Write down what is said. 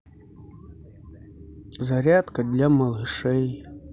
зарядка для малышей